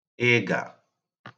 ịgà